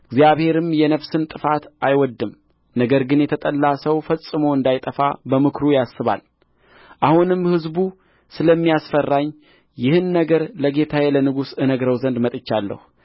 እግዚአብሔርም የነፍስን ጥፋት አይወድድም ነገር ግን የተጣለ ሰው ፈጽሞ እንዳይጠፋ በምክሩ ያስባል አሁንም ሕዝቡ ስለሚያስፈራኝ ይህን ነገር ለጌታዬ ለንጉሥ እነግረው ዘንድ መጥቻለሁ